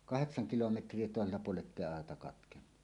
kahdeksan kilometriä toisella puolen että ei aita katkennut